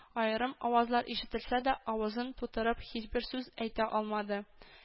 Аерым авазлар ишетелсә дә, авызын тутырып һичбер сүз әйтә алмады